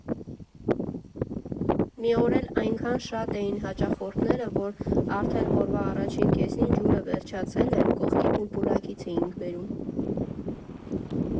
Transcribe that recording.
Մի օր էլ այնքան շատ էին հաճախորդները, որ արդեն օրվա առաջին կեսին ջուրը վերջացել էր, կողքի պուլպուլակից էինք բերում։